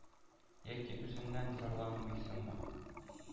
Яки үзеннән зарланмыйсыңмы? —